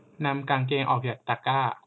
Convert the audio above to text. นำกางเกงออกจากตะกร้า